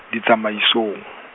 ditsamaisong.